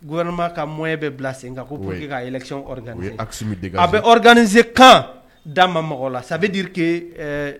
Gma ka mɔ bɛ bila sen ka bɔn k' ka yɛlɛcin a a bɛ dani sene kan da ma mɔgɔ la sabiduke